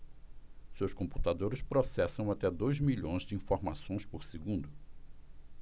seus computadores processam até dois milhões de informações por segundo